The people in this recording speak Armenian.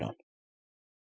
Նրան։